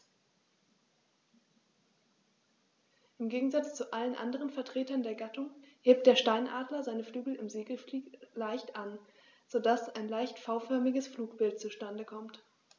Im Gegensatz zu allen anderen Vertretern der Gattung hebt der Steinadler seine Flügel im Segelflug leicht an, so dass ein leicht V-förmiges Flugbild zustande kommt.